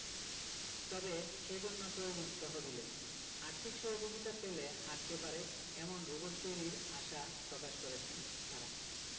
তবে সেজন্য প্রয়োজন তহবিলের আর্থিক সহযোগিতা পেলে হাটতে পারে এমন রোবট তৈরির আশা প্রকাশ করেছেন তারা